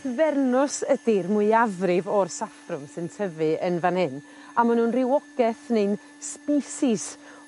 Fernws ydi'r mwyafrif o'r saffrwm sy'n tyfu yn fan 'yn a ma' nw'n rywogeth neu'n species